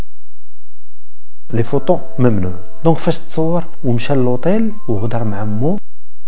لفته منه نوف ست صور ومش الوطن وغدرهم